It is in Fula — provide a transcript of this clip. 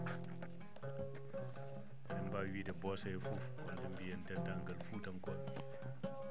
* eɗen mbaawi wiide Bossowé fof walla mbiyen denndaangal fuutankooɓe